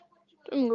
Dwi'm yn gwbo.